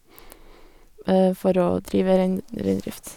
For å drive reind reindrift.